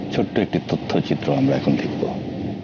ছোট্ট একটি তথ্যচিত্র আমরা এখন দেখব